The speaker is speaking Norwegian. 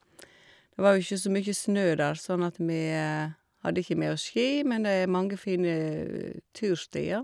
Det var jo ikke så mye snø der, sånn at vi hadde ikke med oss ski, men det er mange fine turstier.